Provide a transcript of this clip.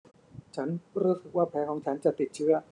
ฉันรู้สึกว่าแผลของฉันจะติดเชื้อ